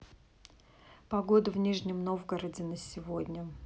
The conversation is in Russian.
погода в нижнем новгороде на сегодня